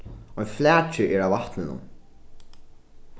ein flaki er á vatninum